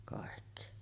kaikki